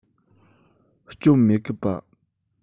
སྐྱོན མེད གི པ